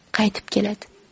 qaytib keladi